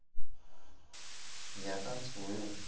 я танцую